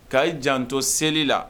Ka i janto seli la